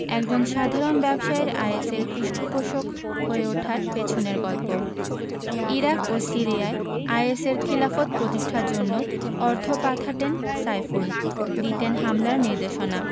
একজন সাধারণ ব্যবসায়ীর আইএসের পৃষ্ঠপোষক হয়ে ওঠার পেছনের গল্প ইরাক ও সিরিয়ায় আইএসের খিলাফত প্রতিষ্ঠার জন্য অর্থ পাঠাতেন সাইফুল দিতেন হামলার নির্দেশনা